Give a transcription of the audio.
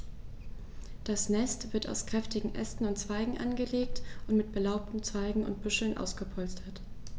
Das Nest wird aus kräftigen Ästen und Zweigen angelegt und mit belaubten Zweigen und Büscheln ausgepolstert.